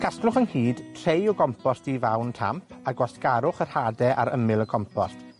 Casglwch ynghyd trei o gompost di-fawn tamp, a gwasgarwch yr hade ar ymyl y compost.